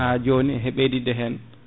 ha joni e ɓeydidde hen